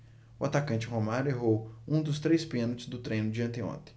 o atacante romário errou um dos três pênaltis no treino de anteontem